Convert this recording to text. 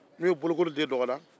n'u ye bolokoli don dɔgɔda